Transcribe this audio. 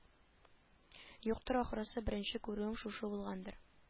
Юктыр ахрысы беренче күрүем шушы булгандыр